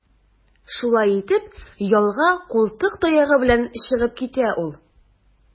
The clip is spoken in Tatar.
Шулай итеп, ялга култык таягы белән чыгып китә ул.